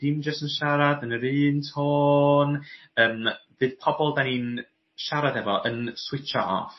dim jyst yn siarad yn yr un tôn yym fydd pobol 'dan ni'n siarad efo yn switsio off.